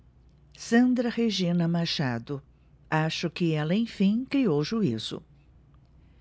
sandra regina machado acho que ela enfim criou juízo